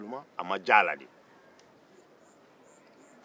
a ma diya a la de